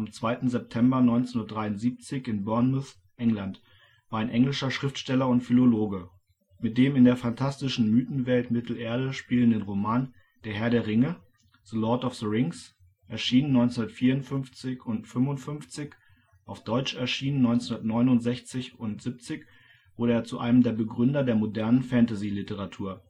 2. September 1973 in Bournemouth, England) war ein englischer Schriftsteller und Philologe. Mit dem in der fantastischen Mythenwelt Mittelerde spielenden Roman Der Herr der Ringe (The Lord of the Rings, 1954 / 55, auf Deutsch erschienen 1969 / 70), wurde er zu einem der Begründer der modernen Fantasy-Literatur